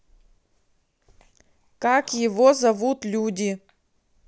как его зовут люди